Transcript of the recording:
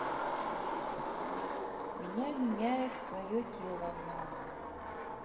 меня меняет свое тело на